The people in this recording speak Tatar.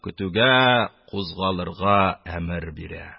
Көтүгә кузгалырга әмер бирә.